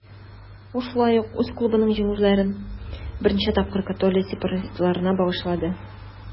Ул шулай ук үз клубының җиңүләрен берничә тапкыр Каталония сепаратистларына багышлады.